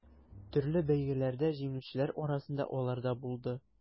Төрле бәйгеләрдә җиңүчеләр арасында алар да булды.